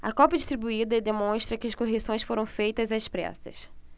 a cópia distribuída demonstra que as correções foram feitas às pressas